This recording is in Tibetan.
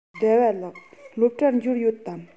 ཟླ བ ལགས སློབ གྲྭར འབྱོར ཡོད དམ